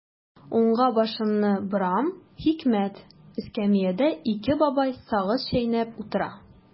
Уңга башымны борам– хикмәт: эскәмиядә ике бабай сагыз чәйнәп утыра.